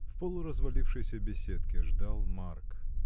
В полуразвалившейся беседке ждал Марк.